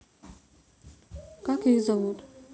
как их зовут